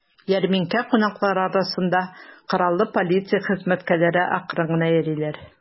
Ярминкә кунаклары арасында кораллы полиция хезмәткәрләре акрын гына йөриләр.